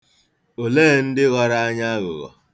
Ole ndị ghọrọ anyị aghụghọ?